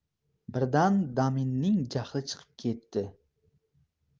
birdan daminning jahli chiqib ketdi